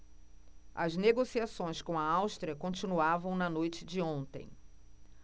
as negociações com a áustria continuavam na noite de ontem